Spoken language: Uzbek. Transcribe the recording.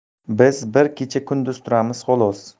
biz bir kecha kunduz turamiz xolos